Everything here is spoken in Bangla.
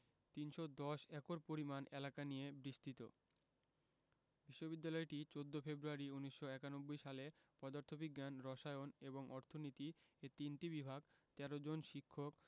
৩১০ একর পরিমাণ এলাকা নিয়ে বিস্তৃত বিশ্ববিদ্যালয়টি ১৪ ফেব্রুয়ারি ১৯৯১ সালে পদার্থ বিজ্ঞান রসায়ন এবং অর্থনীতি এ তিনটি বিভাগ ১৩ জন শিক্ষক